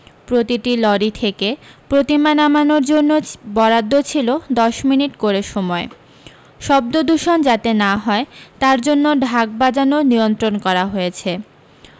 প্রতিটি লরি থেকে প্রতিমা নামানোর জন্য বরাদ্দ ছিল দশ মিনিট করে সময় শব্দ দূষণ যাতে না হয় তার জন্য ঢাক বাজানো নিয়ন্ত্রণ করা হয়েছে